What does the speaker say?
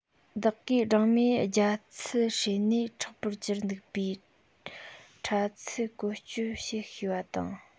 བདག གིས སྦྲང མས རྒྱ མཚལ བསྲེས ནས མཁྲེགས པོར གྱུར འདུག པའི པྲ ཚིལ བཀོལ སྤྱོད བྱེད ཤེས པ དང